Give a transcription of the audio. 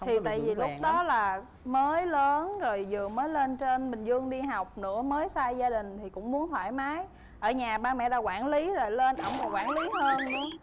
thì tại vì lúc đó là mới lớn rồi vừa mới lên trên bình dương đi học nữa mới xa gia đình thì cũng muốn thoải mái ở nhà ba mẹ đã quản lý rồi lên ổng còn quản lý hơn nữa